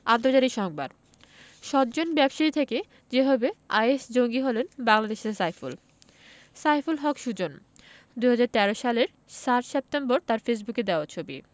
আন্তর্জাতিক সংবাদ সজ্জন ব্যবসায়ী থেকে যেভাবে আইএস জঙ্গি হলেন বাংলাদেশি সাইফুল সাইফুল হক সুজন ২০১৩ সালের ৭ সেপ্টেম্বর তাঁর ফেসবুকে দেওয়া ছবি